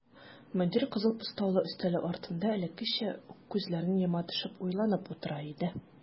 Мөдир кызыл постаулы өстәле артында элеккечә үк күзләрен йома төшеп уйланып утыра иде.